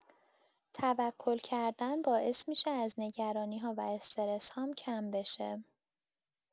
توکل کردن باعث می‌شه از نگرانی‌ها و استرس‌هام کم بشه.